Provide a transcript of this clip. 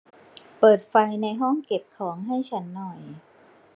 เปิดไฟในห้องเก็บของให้ฉันหน่อย